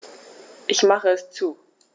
Ich mache es zu.